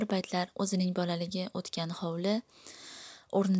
bir paytlar o 'zining bolaligi o'tgan hovli o'rnida